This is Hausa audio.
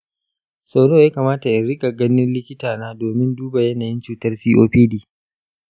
sau nawa ya kamata in riga ina ganin likitana domin duba yanayin cutar copd?